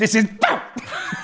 This is bam.